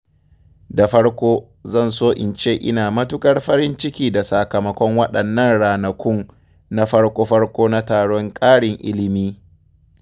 Da farko, zan so in ce ina matuƙar farin ciki da sakamakon waɗannan ranakun na farko-farko na taron ƙarin ilimi.